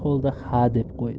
holda ha deb qo'ydi